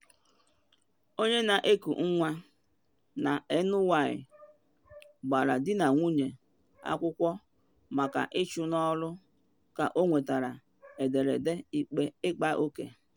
Onye na eku nwa na NY gbara di na nwunye akwụkwọ maka ịchụ n’ọrụ ka ọ nwetara ederede “ịkpa oke”